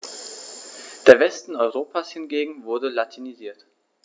Der Westen Europas hingegen wurde latinisiert.